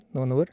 Noen år.